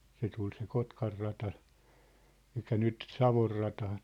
se tuli se Kotkanrata eli nyt Savonrata